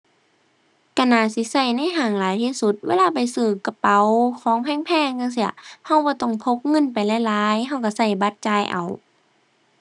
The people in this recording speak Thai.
ก็น่าสิก็ในห้างหลายที่สุด เวลาไปซื้อกระเป๋า ของแพงแพงจั่งซี้ ก็บ่ต้องพกเงินไปหลายหลาย ก็ก็ก็บัตรจ่ายเอา